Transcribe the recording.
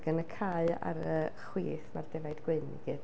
Ac yn y cae ar y chwith mae'r defaid gwyn i gyd.